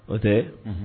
O tɛɛ unhun